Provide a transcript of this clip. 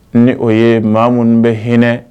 Ni o ye maa minnu bɛ hinɛ